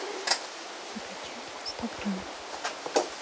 закачать инстаграм